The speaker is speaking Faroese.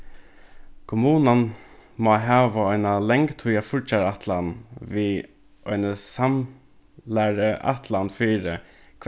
kommunan má hava eina langtíðar fíggjarætlan við eini ætlan fyri